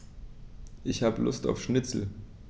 Ich habe Lust auf Schnitzel.